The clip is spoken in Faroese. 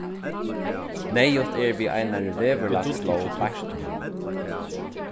neyðugt er við einari veðurlagslóg beint nú